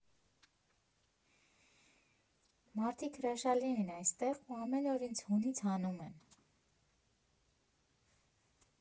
Մարդիկ հրաշալի են այստեղ ու ամեն օր ինձ հունից հանում են.